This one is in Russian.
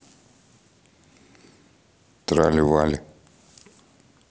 трали вали